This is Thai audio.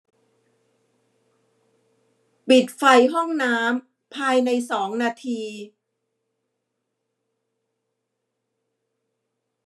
ปิดไฟห้องน้ำภายในสองนาที